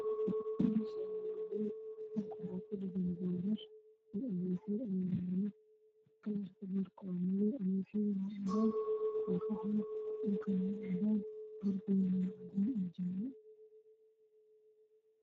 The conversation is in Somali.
Meshaani waa hool waxaa ku dhagan boorar alwaaxyo ayaa yaalo kalarak borak waa madow alwaxyad waa cadaan qaxwi dhulkane waa cadaan darbigne waa cadaan iyo jaale